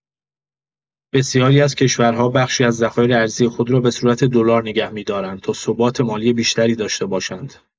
بسیاری از کشورها بخشی از ذخایر ارزی خود را به صورت دلار نگه می‌دارند تا ثبات مالی بیشتری داشته باشند.